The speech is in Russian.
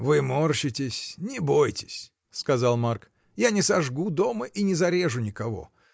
— Вы морщитесь: не бойтесь, — сказал Марк, — я не сожгу дома и не зарежу никого.